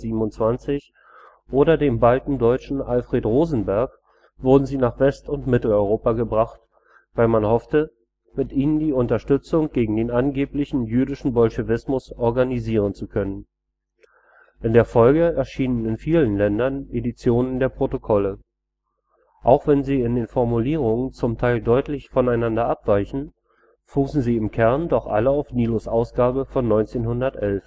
1927) oder dem Baltendeutschen Alfred Rosenberg wurden sie nach West - und Mitteleuropa gebracht, weil man hoffte, mit ihnen Unterstützung gegen den angeblich jüdischen Bolschewismus organisieren zu können. In der Folge erschienen in vielen Ländern Editionen der Protokolle. Auch wenn sie in den Formulierungen zum Teil deutlich voneinander abweichen, fußen sie im Kern doch alle auf Nilus ' Ausgabe von 1911